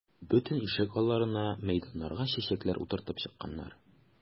Бөтен ишек алларына, мәйданнарга чәчәкләр утыртып чыкканнар.